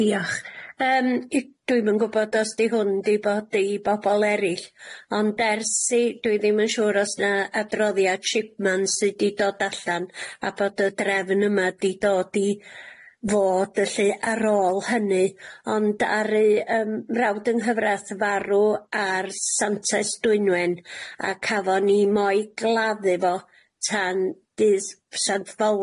Diolch, yym i- dwi'm yn gwbod os 'di hwn 'di bod i bobol erill ond ers i, dwi ddim yn siŵr os 'na adroddiad shipman sy di dod allan a bod y drefn yma di dod i fod felly ar ôl hynny ond aru yym frawd yng nghyfrath farw ar Santes Dwynwen a cafon ni mo'i gladdu fo tan dydd Sant Fowlent.